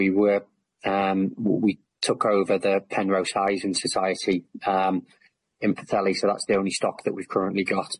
We took the Penrose highs in society in Pwllheli, that's the only stock we've got,